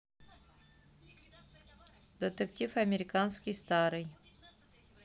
детектив американский старый